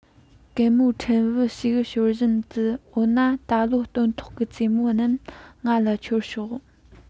གད མོ ཕྲན བུ ཞིག ཤོར བཞིན དུ འོ ན ད ལོར སྟོན ཐོག གི ཙེ མོ རྣམས ང ལ ཁྱེར ཤོག